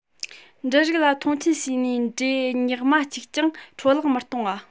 འབྲུ རིགས ལ མཐོང ཆེན བྱས ནས འབྲས ཉག མ གཅིག ཀྱང འཕྲོ བརླག མི གཏོང བ